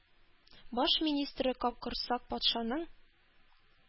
Баш министры капкорсак патшаның: